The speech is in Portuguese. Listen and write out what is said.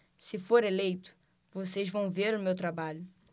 se for eleito vocês vão ver o meu trabalho